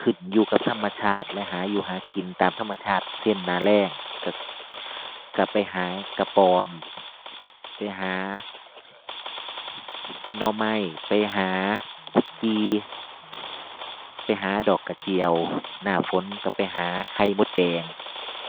ขึ้นอยู่กับธรรมชาติและหาอยู่หากินตามธรรมชาติ เช่น หน้าแล้งเรา เราไปหากะปอม ไปหาหน่อไม้ ไปหากุดจี่ ไปหาดอกกระเจียว หน้าฝนเราไปหาไข่มดแดง